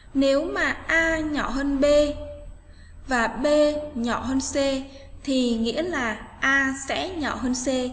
nếu mà a nhỏ hơn b và b nhỏ hơn c thì nghĩa là a sẽ nhỏ hơn c